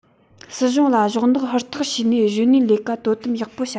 སྲིད གཞུང ལ གཞོགས འདེགས ཧུར ཐག བྱས ནས གཞོན ནུའི ལས ཀ དོ དམ ཡག པོ བྱ དགོས